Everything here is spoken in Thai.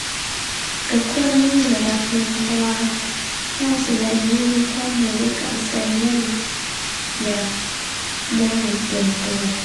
ก็ควรมีระดับหนึ่ง เพราะว่าก็สิได้มีความก็ในการก็เงินแบบบ่ให้เกินก็